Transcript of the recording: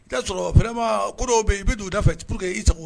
I ya sɔrɔ vraiment ko bɔw be yen i bi don u da fɛ pourque i sago